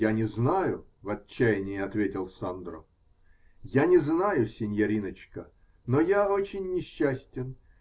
-- Я не знаю, -- в отчаянии ответил Сандро. -- Я не знаю, синьориночка. Но я очень несчастен.